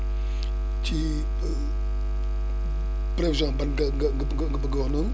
ci prévision ban nga nga nga bëgg a wax noonu